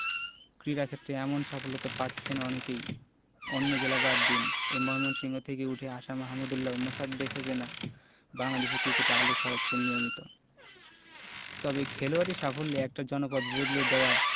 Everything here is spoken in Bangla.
ক্রীড়াক্ষেত্রে এমন সাফল্য তো পাচ্ছেন অনেকেই অন্য জেলা বাদ দিন এ ময়মনসিংহ থেকেই উঠে আসা মাহমুদউল্লাহ মোসাদ্দেক হোসেনরা বাংলাদেশ ক্রিকেটে আলো ছড়াচ্ছেন নিয়মিত তবে খেলোয়াড়ি সাফল্যে একটা জনপদ বদলে দেওয়ায়